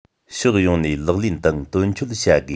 ཕྱོགས ཡོངས ནས ལག ལེན དང དོན འཁྱོལ བྱ དགོས